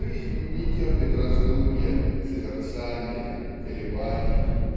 Жизнь не терпит раздумья, созерцания, колебаний